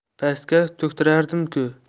pastga to'ktirardimku